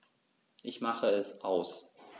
Ich mache es aus.